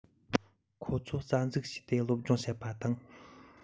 ཁོ ཚོ རྩ འཛུགས བྱས ཏེ སློབ སྦྱོང བྱེད པ དང